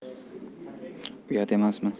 uyat emasmi